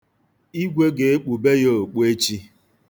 Igwe ga-ekpube ya okpu echi.